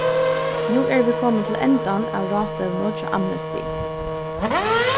nú eru vit komin til endan av ráðstevnu hjá amnesty